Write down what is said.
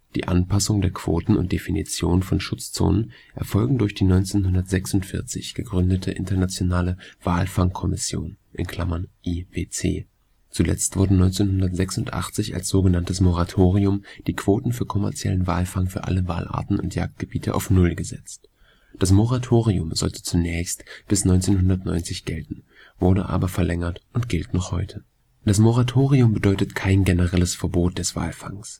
Die Anpassungen der Quoten und Definition von Schutzzonen erfolgen durch die 1946 gegründete Internationale Walfangkommission (IWC) Zuletzt wurden 1986 als so genanntes Moratorium die Quoten für kommerziellen Walfang für alle Walarten und Jagdgebiete auf Null gesetzt. Das Moratorium sollte zunächst bis 1990 gelten, wurde aber verlängert und gilt noch heute. Das Moratorium bedeutet kein generelles Verbot des Walfangs